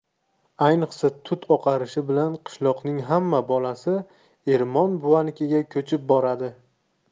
ayniqsa tut oqarishi bilan qishloqning hamma bolasi ermon buvanikiga ko'chib boradi